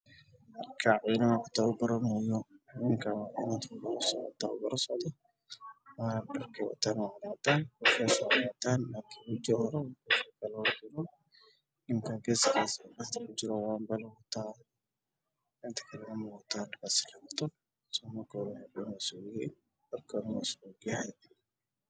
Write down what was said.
Messhan waxa joga askar